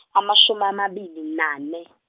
amashumi amabili nane.